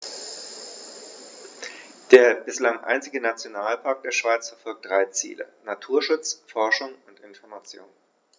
Der bislang einzige Nationalpark der Schweiz verfolgt drei Ziele: Naturschutz, Forschung und Information.